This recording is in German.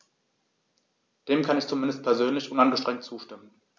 Dem kann ich zumindest persönlich uneingeschränkt zustimmen.